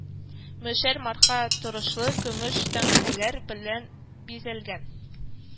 Мешәр марка торышлы көмеш тәңкәләр белән бизәлгән